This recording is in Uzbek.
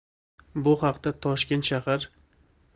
bu haqda toshkent shahar